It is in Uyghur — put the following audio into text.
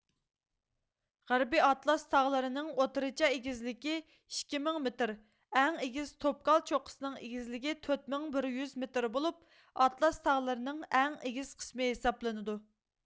غەربىي ئاتلاس تاغلىرىنىڭ ئوتتۇرىچە ئېگىزلىكى ئىككى مىڭ مېتر ئەڭ ئېگىز توبكال چوققىسىنىڭ ئېگىزلىكى تۆت مىڭ بىر يۈز مېتر بولۇپ ئاتلاس تاغلىرىنىڭ ئەڭ ئېگىز قىسمى ھېسابلىنىدۇ